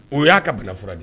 O y'a ka bana fura de ye